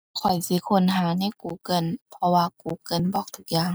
ข้อยสิค้นหาใน Google เพราะว่า Google บอกทุกอย่าง